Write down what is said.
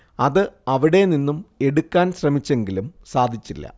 അത് അവിടെ നിന്നും എടുക്കാൻ ശ്രമിച്ചെങ്കിലും സാധിച്ചില്ല